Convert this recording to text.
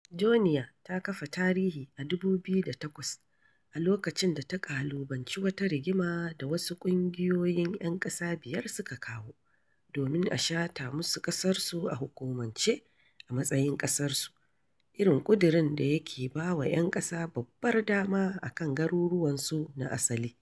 Joenia ta kafa tarihi a 2008 a lokacin da ta ƙalubalanci wata rigima da wasu ƙungiyoyin 'yan ƙasa biyar suka kawo, domin a shata musu ƙasarsu a hukumanci a matsayin ƙasarsu, irin ƙudurin da yake ba wa 'yan ƙasa babbar dama a kan garuruwansu na asali.